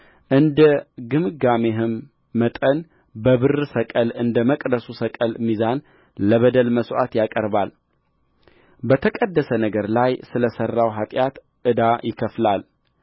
እንደ ግምጋሜህ መጠን በብር ሰቅል እንደ መቅደሱ ሰቅል ሚዛን ለበደል መሥዋዕት ያቀርበዋልበተቀደሰ ነገር ላይ ስለ ሠራው ኃጢአት ዕዳ ይከፍላል